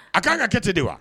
A k ko'an ka kɛ ten de wa